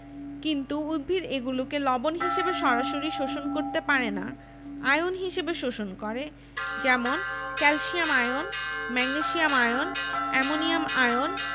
কিন্তু উদ্ভিদ এগুলোকে লবণ হিসেবে সরাসরি শোষণ করতে পারে না আয়ন হিসেবে শোষণ করে যেমন calcium ion magnesium ion ammonium ion